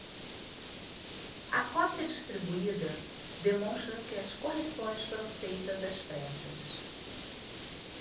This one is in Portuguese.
a cópia distribuída demonstra que as correções foram feitas às pressas